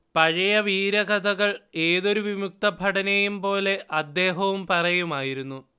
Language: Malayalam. പഴയ വീരകഥകൾ ഏതൊരു വിമുക്തഭടനെയുംപോലെ അദ്ദേഹവും പറയുമായിരുന്നു